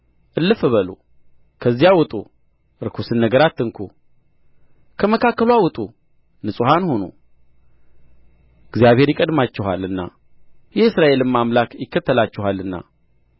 እልፍ በሉ እልፍ በሉ ከዚያ ውጡ ርኩስን ነገር አትንኩ ከመካከልዋ ውጡ ንጽሐን ሁኑ እግዚአብሔር ይቀድማችኋልና የእስራኤልም አምላክ ይከተላችኋልና